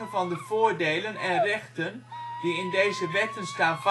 van de voordelen en rechten die in deze wetten staan